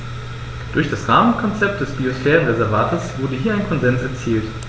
Durch das Rahmenkonzept des Biosphärenreservates wurde hier ein Konsens erzielt.